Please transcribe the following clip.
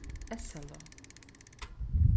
essalág